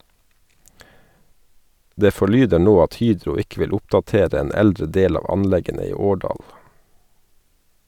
Det forlyder nå at Hydro ikke vil oppdatere en eldre del av anleggene i Årdal.